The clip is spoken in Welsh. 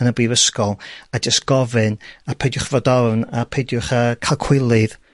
yn y brifysgol a jys gofyn, a peidiwch fod ofn, a peidiwch â ca'l cwilydd